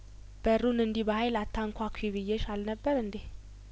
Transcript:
በሩን እንዲህ በሀይል አታንኳኲ ብዬሽ አልነበር እንዴ